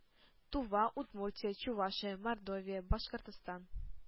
Тува, Удмуртия, Чувашия, Мордовия, Башкортстан